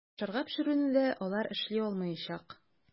Ашарга пешерүне дә алар эшли алмаячак.